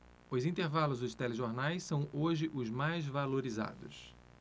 os intervalos dos telejornais são hoje os mais valorizados